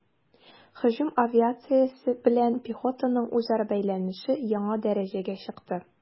Һөҗүм авиациясе белән пехотаның үзара бәйләнеше яңа дәрәҗәгә чыкты.